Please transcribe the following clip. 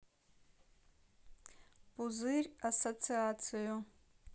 пузырь ассоциацию